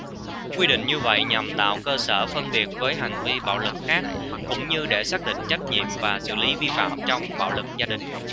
quy định như vậy nhằm tạo cơ sở phân biệt với hành vi bạo lực khác cũng như để xác định trách nhiệm và xử lý vi phạm trong bạo lực gia đình